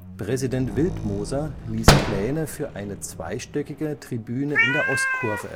Präsident Wildmoser ließ Pläne für eine zweistöckige Tribüne in der Ostkurve